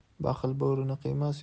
baxil borini qiymas